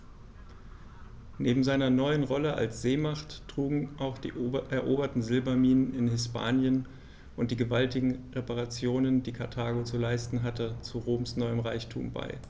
Neben seiner neuen Rolle als Seemacht trugen auch die eroberten Silberminen in Hispanien und die gewaltigen Reparationen, die Karthago zu leisten hatte, zu Roms neuem Reichtum bei.